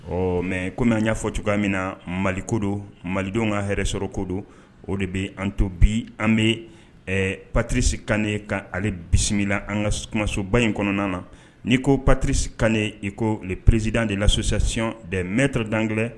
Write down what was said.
Ɔ mɛ kɔmi n y'a ɲɛfɔ cogoya min na mali ko don malidenw ka hɛrɛɛrɛsɔrɔ ko don o de bɛ an tobi an bɛ parisi kan ka ale bisimila an kasoba in kɔnɔna na nii ko patirisi kannen iko prerisid de lasosasiyon dɛ mtore dangɛ